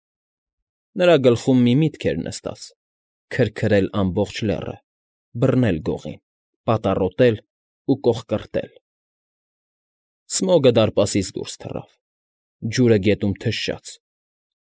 Նրա գլխում մի միտք էր նստած. քրքրել ամբողջ լեռը, բռնել գողին, պատառոտել ու կոխկրտել… Սմոգը դարպասից դուրս թռավ, ջուրը գետում թշաց,